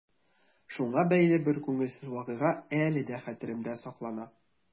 Шуңа бәйле бер күңелсез вакыйга әле дә хәтеремдә саклана.